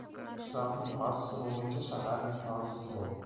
qishloqning qozisi bo'lguncha shaharning tozisi bo'l